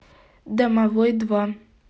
домовой два